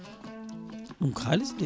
ɗum ko haliss de